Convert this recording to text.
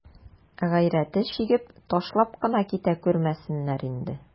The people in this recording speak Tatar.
Гайрәте чигеп, ташлап кына китә күрмәсеннәр инде.